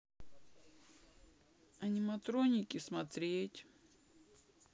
аниматроники смотреть